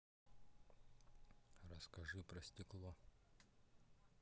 расскажи про стекло